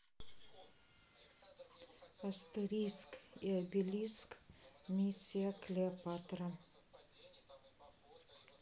астерикс и обеликс миссия клеопатра